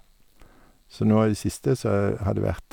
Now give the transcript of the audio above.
Så nå i det siste så har det vært...